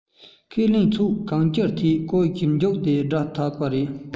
ཁས ལེན ཕྱོགས གང ཅིའི ཐད སྐོར ཞིབ བྱེད རྒྱུ དེ སྒྲུབ ཐུབ པས